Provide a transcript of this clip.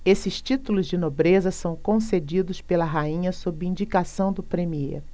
esses títulos de nobreza são concedidos pela rainha sob indicação do premiê